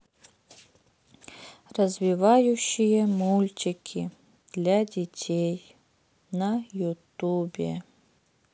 развивающие мультики для детей на ютубе